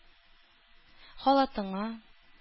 Халатыңа